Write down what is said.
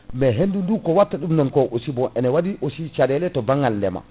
mais hendundu ko watta ɗum non ko aussi bon ina waɗi aussi caɗele to banggal ndeema